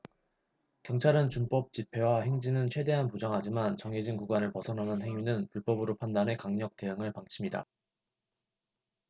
경찰은 준법 집회와 행진은 최대한 보장하지만 정해진 구간을 벗어나는 행위는 불법으로 판단해 강력 대응할 방침이다